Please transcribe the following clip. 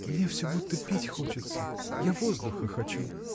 — Мне всё будто пить хочется: я воздуха хочу!